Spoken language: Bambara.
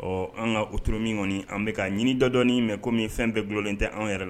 Ɔ an ka uto min kɔni an bɛka ka ɲini dɔdɔɔni mɛn kɔmi min fɛn bɛɛ bolonen tɛ an yɛrɛ la